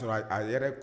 A yɛrɛ